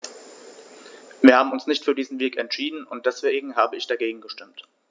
Wir haben uns nicht für diesen Weg entschieden, und deswegen habe ich dagegen gestimmt.